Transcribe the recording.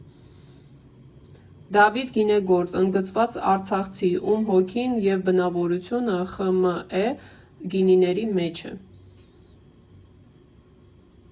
Դավիթ ֊ գինեգործ, ընդգծված արցախցի, ում հոգին և բնավորությունը ԽՄԷ գինիների մեջ է։